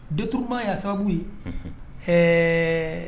Daturuma ya sababubu ye ɛɛ